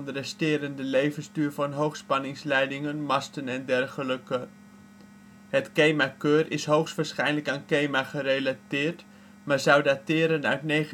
resterende levensduur van hoogspanningsleidingen, masten en dergelijke Het KEMA-KEUR is hoogstwaarschijnlijk aan KEMA gerelateerd, maar zou dateren uit 1924